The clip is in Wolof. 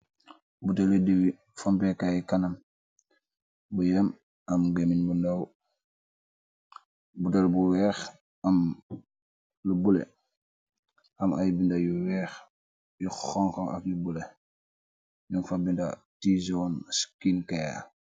buteli di fompekaay kanam bu yem. Am Geemiñ bundaw. Butel bu weex am lu bulo, Am ay binda yu weex, yu xonkan ak yu bulo. Ñung fa binda "T Zone skincare".